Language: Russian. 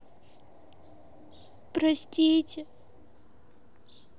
простите